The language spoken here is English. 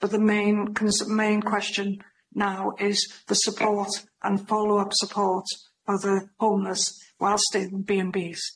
But the main cons- main question now is the support and follow-up support of the homeless whilst in B and Bs. Diolch.